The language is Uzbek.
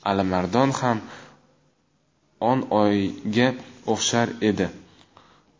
alimardon ham on oyga o'xshar edi